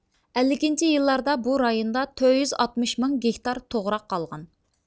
ئەللىكىنچى يىللاردا بۇ رايوندا تۆت يۈز ئاتمىش مىڭ گېكتار توغراق قالغان